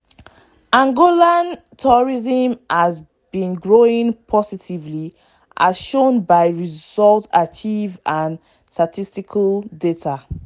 Angolan tourism has been growing positively, as shown by results achieved and statistical data.